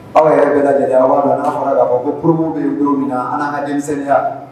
Aw yɛrɛ bɛɛ lajɛlen'a n'a fɔra k'a fɔ ko porobu bɛ bolo min an' ka denmisɛnninya